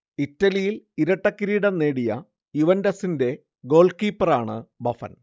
ഇറ്റലിയിൽ ഇരട്ടക്കിരീടം നേടിയ യുവന്റസിന്റെ ഗോൾകീപ്പറാണ് ബഫൺ